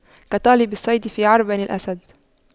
كطالب الصيد في عرين الأسد